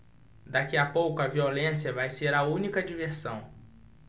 daqui a pouco a violência vai ser a única diversão